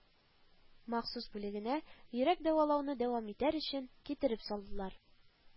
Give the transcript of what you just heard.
Махсус бүлегенә йөрәк дәвалауны дәвам итәр өчен китереп салдылар